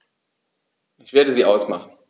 Ich werde sie ausmachen.